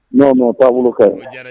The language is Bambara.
Non, non taabolo ka ɲi o diyara n ye